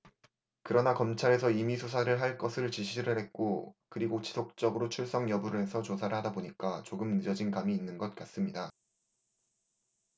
그러나 검찰에서 임의수사를 할 것을 지시를 했고 그리고 지속적으로 출석 여부를 해서 조사를 하다 보니까 조금 늦어진 감이 있는 것 같습니다